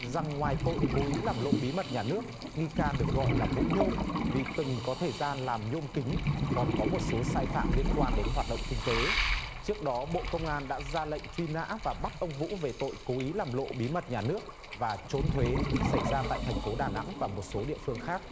rằng ngoài tội cố ý làm lộ bí mật nhà nước nghi can được gọi là vũ nhôm vì từng có thời gian làm nhôm kính còn có một số sai phạm liên quan đến hoạt động kinh tế trước đó bộ công an đã ra lệnh truy nã và bắc ông vũ về tội cố ý làm lộ bí mật nhà nước và trốn thuế xảy ra tại thành phố đà nẵng và một số địa phương khác